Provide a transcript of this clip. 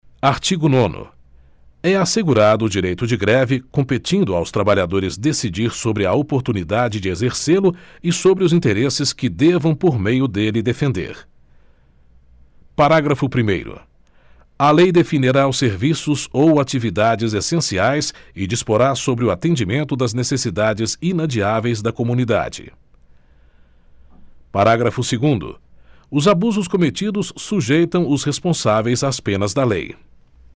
artigo nono é assegurado o direito de greve competindo aos trabalhadores decidir sobre a oportunidade de exercê lo e sobre os interesses que devam por meio dele defender parágrafo primeiro a lei definirá os serviços ou atividades essenciais e disporá sobre o atendimento das necessidades inadiáveis da comunidade parágrafo segundo os abusos cometidos sujeitam os responsáveis às penas da lei